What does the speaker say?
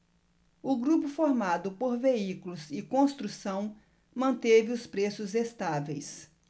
o grupo formado por veículos e construção manteve os preços estáveis